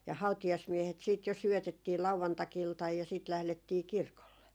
ja hautajaismiehet sitten jo syötettiin lauantai-iltana ja sitten lähdettiin kirkolle